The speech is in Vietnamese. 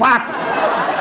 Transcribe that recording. phạt